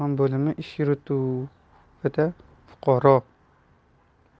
bo'limi ish yurituvidagi fuqaro